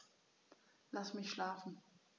Lass mich schlafen